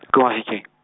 ko Mafikeng.